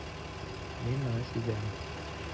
Мин моны сизәм.